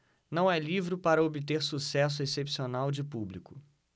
não é livro para obter sucesso excepcional de público